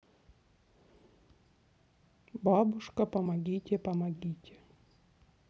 бабушка помогите помогите